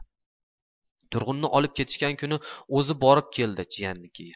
turg'unni olib ketishgan kuni o'zi borib keldi jiyaninikiga